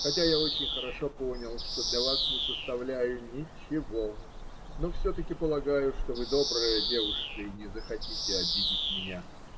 Хотя я очень хорошо понял, что для вас не составляю ничего, но все-таки полагаю, что вы добрая девушка и не захотите обидеть меня.